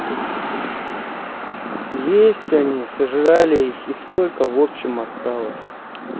есть они сожрали их и сколько в общем осталось